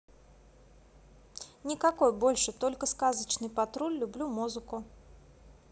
никакой больше только сказочный патруль люблю музыку